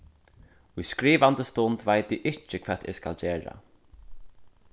í skrivandi stund veit eg ikki hvat eg skal gera